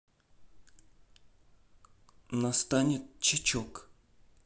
настанет чечок